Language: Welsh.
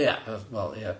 Ie wel ie.